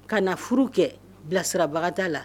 Ka na furu kɛ bilasirabaga t'a la